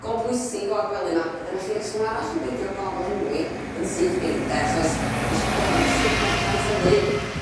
go bwysig o'r gwely 'ma a dyna chi reswm arall i beidio gorlenwi yn syth bin 'de achos ma' isio gweld sut ma' petha'n tyfu